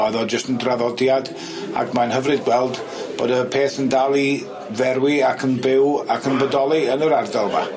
Oedd o jyst yn draddodiad ag ma'n hyfryd gweld bod y peth yn dal i ferwi ac yn byw ac yn bodoli yn yr ardal 'ma.